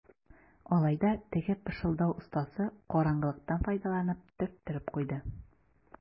Алай да теге пышылдау остасы караңгылыктан файдаланып төрттереп куйды.